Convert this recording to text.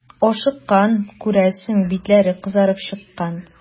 Ашыккан, күрәсең, битләре кызарып чыккан.